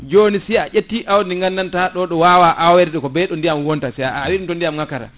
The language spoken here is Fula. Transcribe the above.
joni si a ƴetti awdi ndi gandanta ɗo ɗo wawa awede ko be ɗo ndiyam wonta si a awa ɗo ndiyam ngakkata